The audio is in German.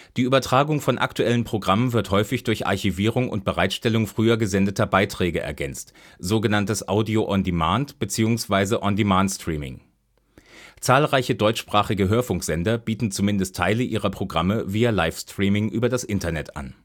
Die Übertragung von aktuellen Programmen wird häufig durch Archivierung und Bereitstellung früher gesendeter Beiträge ergänzt (Audio-on-Demand bzw. On-Demand-Streaming). Zahlreiche deutschsprachige Hörfunksender bieten zumindest Teile ihrer Programme via Live-Streaming über das Internet an